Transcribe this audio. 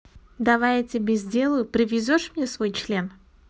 давай я тебе сделаю привезешь мне свой член